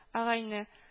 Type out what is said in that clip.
Агайне